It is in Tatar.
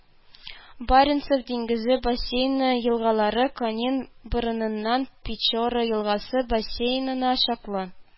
Баренцев диңгезе бассейны елгалары Канин борынынан Печора елгасы бассейнына чаклы